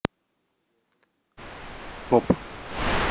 поп